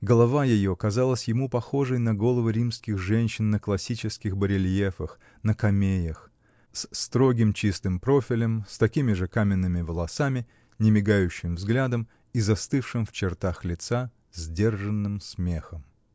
Голова ее казалась ему похожей на головы римских женщин на классических барельефах, на камеях: с строгим, чистым профилем, с такими же каменными волосами, немигающим взглядом и застывшим в чертах лица сдержанным смехом.